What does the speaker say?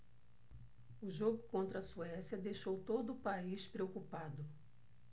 o jogo contra a suécia deixou todo o país preocupado